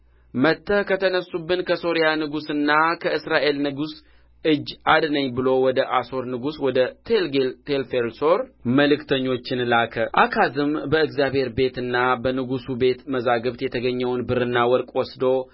መጥተህ ከተነሡብን ከሶርያ ንጉሥና ከእስራኤል ንጉሥ እጅ አድነኝ ብሎ ወደ አሦር ንጉሥ ወደ ቴልጌልቴልፌልሶር መልእክተኞችን ላከ አካዝም በእግዚአብሔር ቤትና በንጉሡ ቤት መዛግብት የተገኘውን ብርና ወርቅ ወስዶ